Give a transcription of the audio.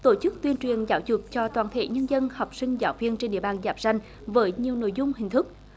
tổ chức tuyên truyền giáo dục cho toàn thể nhân dân học sinh giáo viên trên địa bàn giáp ranh với nhiều nội dung hình thức